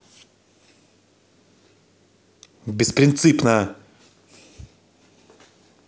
беспринципно